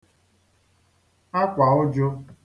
akwaụjụ